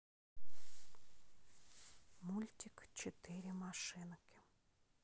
мультик четыре машинки